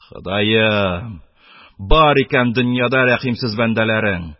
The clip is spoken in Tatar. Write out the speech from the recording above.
Ходаем, бар икән дөньяда рәхимсез бәндәләрең!..